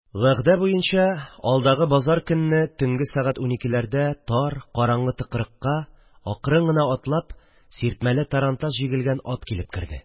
Вәгъдә буенча, алдагы базар көнне төнге сәгать уникеләрдә тар-караңгы тыкрыкка акрын гына атлап сиртмәле тарантас җигелгән ат килеп керде